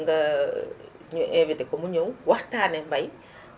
nga ñu invité ko mu ñëw waxtaanee mbay